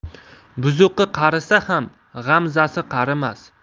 buzuqi qarisa ham g'amzasi qarimas